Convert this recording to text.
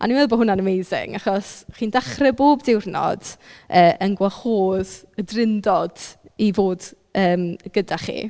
A o'n ni'n meddwl bod hwnna'n amazing achos chi'n dechrau bob diwrnod yy yn gwahodd y Drindod i fod yym gyda chi.